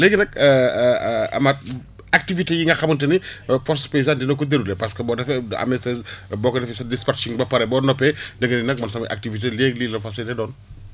léegi nag amath activités yi nga xamante ni force paysane dina ko dérouler parce que boo defee ba amee sa boo ko defee sa dispatching ba pare boo noppee da nga ni nag man samay activités ci lii ak lii lay doon